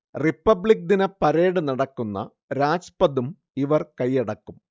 republic ദിന parade നടക്കുന്ന രാജ്പഥും ഇവർ കൈയടക്കും